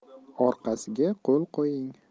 orqasiga qo'l qo'ying